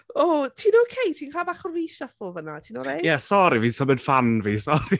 O, ti'n ocei? Ti'n cael bach o reshuffle fan'na ti'n oreit?... Ie, sori, fi'n symud ffan fi sori!